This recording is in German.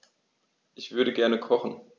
Ich würde gerne kochen.